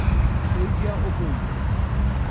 síða og bíða